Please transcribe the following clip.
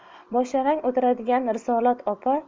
bosh yalang o'tiradigan risolat opa